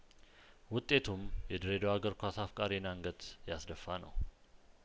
ውጤቱም የድሬዳዋ እግር ኳስ አፍቃሪን አንገት ያስደፋ ነው